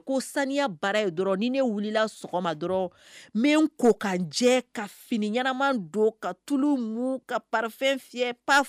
Min ko ka jɛ ka fini ɲɛna don ka tulu ka pafɛn